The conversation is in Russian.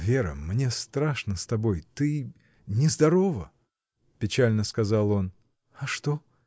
— Вера, мне страшно с тобой, ты. нездорова! — печально сказал он. — А что?